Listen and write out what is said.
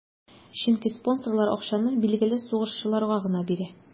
Чөнки спонсорлар акчаны билгеле сугышчыларга гына бирә.